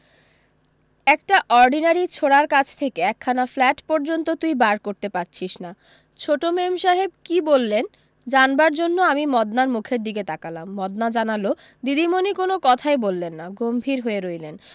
একটা অর্ডিনারি ছোঁড়ার কাছ থেকে একখানা ফ্ল্যাট পর্য্যন্ত তুই বার করতে পারছিস না ছোট মেমসাহেব কী বললেন জানবার জন্য আমি মদনার মুখের দিকে তাকালাম মদনা জানালো দিদিমণি কোন কথাই বললেন না গম্ভীর হয়ে রইলেন